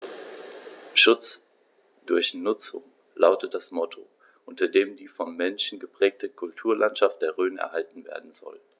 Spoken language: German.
„Schutz durch Nutzung“ lautet das Motto, unter dem die vom Menschen geprägte Kulturlandschaft der Rhön erhalten werden soll.